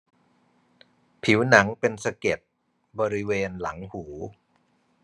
ผิวหนังเป็นสะเก็ดบริเวณหลังหู